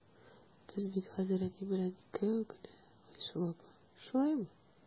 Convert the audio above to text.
Без бит хәзер әни белән икәү генә, Айсылу апа, шулаймы?